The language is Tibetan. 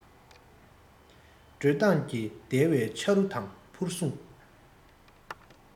བྲེད དངངས ཀྱིས བརྡལ བའི ཆ རུ དང ཕུར ཟུངས